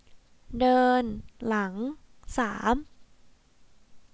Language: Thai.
เดินหลังสาม